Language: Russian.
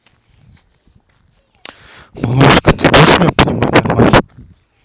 малышка ты будешь меня понимать нормально